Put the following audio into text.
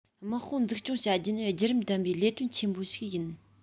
དམག དཔུང འཛུགས སྐྱོང བྱ རྒྱུ ནི རྒྱུད རིམ ལྡན པའི ལས དོན ཆེན པོ ཞིག ཡིན